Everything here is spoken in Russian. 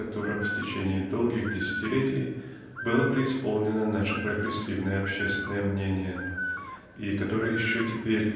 которым в течение долгих десятилетий было преисполнено наше прогрессивное общественное мнение и которое еще теперь